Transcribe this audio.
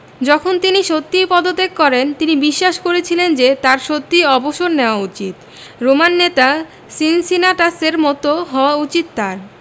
যখন তিনি সত্যিই পদত্যাগ করেন তিনি বিশ্বাস করেছিলেন যে তাঁর সত্যিই অবসর নেওয়া উচিত রোমান নেতা সিনসিনাটাসের মতো হওয়া উচিত তাঁর